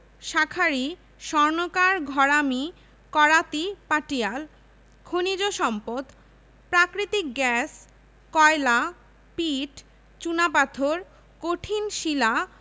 প্রশাসন ও ব্যবস্থাপনা এডমিন এন্ড ম্যানেজেরিয়াল ০ দশমিক ২ শতাংশ করণিক ক্ল্যারিক্যাল ওয়ার্ক্স ৩ দশমিক ৪ শতাংশ